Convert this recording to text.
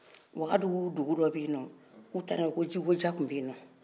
wagadu dugu dɔ bɛ yen nɔ k' u taara ko jikoja tun bɛ yen nɔ